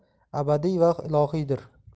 ruhi abadiy va ilohiydir